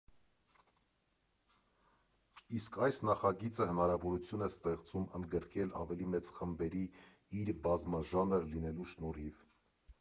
Իսկ այս նախագիծը հնարավորություն է ստեղծում ընդգրկել ավելի մեծ խմբերի իր բազմաժանր լինելու շնորհիվ։